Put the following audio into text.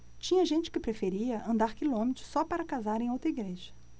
tinha gente que preferia andar quilômetros só para casar em outra igreja